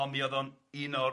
ond mi oedd o'n un o'r